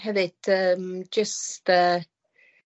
hefyd yym jyst yy